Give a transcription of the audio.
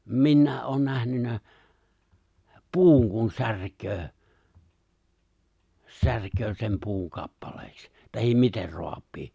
minä olen nähnyt puun kun särkee särkee sen puun kappaleiksi tai miten raapii